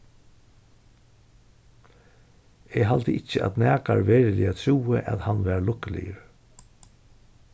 eg haldi ikki at nakar veruliga trúði at hann var lukkuligur